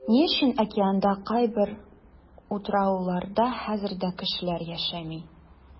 Ни өчен океанда кайбер утрауларда хәзер дә кешеләр яшәми?